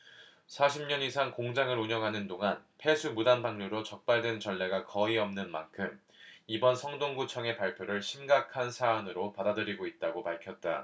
사십 년 이상 공장을 운영하는 동안 폐수 무단 방류로 적발된 전례가 거의 없는 만큼 이번 성동구청의 발표를 심각한 사안으로 받아들이고 있다고 밝혔다